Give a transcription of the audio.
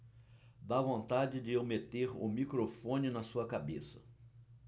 dá vontade de eu meter o microfone na sua cabeça